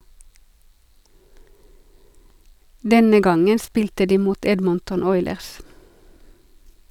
Denne gangen spilte de mot Edmonton Oilers.